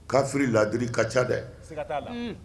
Kafiri laadiri ka ca dɛ; Siga t'a la